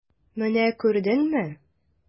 Менә күрдеңме?